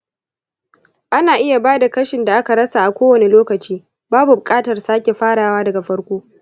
ana iya ba da kashin da aka rasa a kowane lokaci; babu buƙatar sake farawa daga farko.